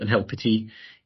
yn helpu ti